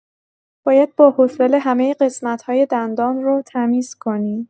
باید با حوصله همه قسمت‌های دندان رو تمیز کنی.